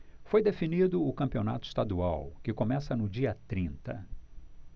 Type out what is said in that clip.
foi definido o campeonato estadual que começa no dia trinta